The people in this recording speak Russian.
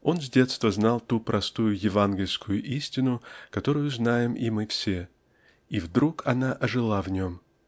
Он с детства знал ту простую евангельскую истину которую знаем и мы все -- и вдруг она ожила в нем.